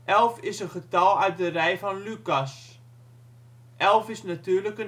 Elf is een getal uit de rij van Lucas. Elf is natuurlijk